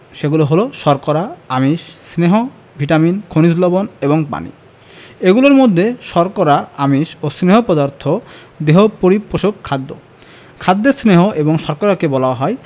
সেগুলো হলো শর্করা আমিষ স্নেহ ভিটামিন খনিজ লবন এবং পানি এগুলোর মধ্যে শর্করা আমিষ ও স্নেহ পদার্থ বা ফ্যাট দেহ পরিপোষক খাদ্য খাদ্যের স্নেহ এবং শর্করাকে বলা হয়